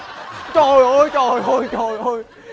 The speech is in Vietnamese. trời ơi trời ơi trời ơi